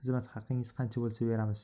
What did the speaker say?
xizmat haqingiz qancha bo'lsa beramiz